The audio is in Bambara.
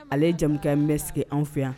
Ale ye jamu in bɛ sigi an fɛ yan